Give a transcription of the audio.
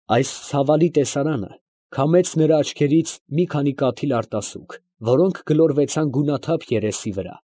Այս ցավալի տեսարանը քամեց նրա աչքերից մի քանի կաթիլ արտասուք, որոնք գլորվեցան գունաթափ երեսի վրա։